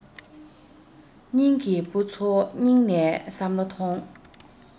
སྙིང གི བུ ཚོ སྙིང ནས བསམ བློ མཐོང